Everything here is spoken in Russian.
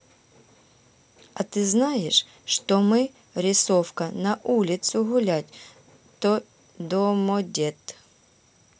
а ты знаешь что мы рисовка на улицу гулять то домодед